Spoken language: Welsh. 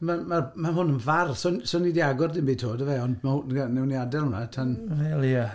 Ma' ma' mae hwn yn far. So ni 'di agor dim byd 'to, yndyfe. Ond ma' hw- ga- wnawn ni adael hwnna tan... Wel, ie.